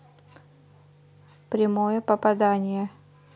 прямое попадание